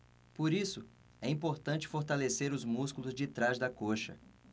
por isso é importante fortalecer os músculos de trás da coxa